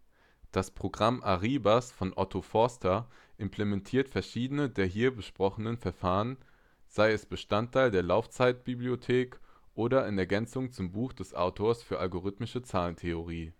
Programm ARIBAS von Otto Forster implementiert verschiedene der hier besprochenen Verfahren – sei es als Bestandteil der Laufzeitbibliothek oder in Ergänzung zum Buch des Autors über Algorithmische Zahlentheorie